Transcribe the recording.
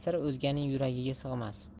sir o'zganing yuragiga sig'mas